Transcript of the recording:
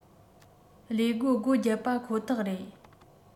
ལས སྒོ སྒོ བརྒྱབ པ ཁོ ཐག རེད